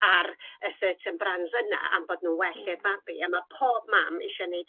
ar y certain brands yna am bod n'w well i'r babi a ma' pob mam isio neud